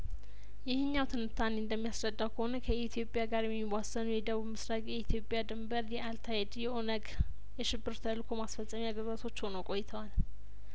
ይህኛው ትንታኔ እንደሚያስረዳው ከሆነ ከኢትዮጵያ ጋር የሚዋሰኑ ደቡብ ምስራቅ የኢትዮጵያ ድንበር የአልታ ይድ የኦነግ የሽብር ተልእኮ ማስፈጸሚያ ግዛቶች ሆነው ቆይተዋል